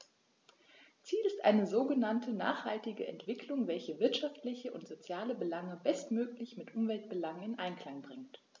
Ziel ist eine sogenannte nachhaltige Entwicklung, welche wirtschaftliche und soziale Belange bestmöglich mit Umweltbelangen in Einklang bringt.